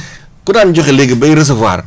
ku daan joxe léegi bay recevoir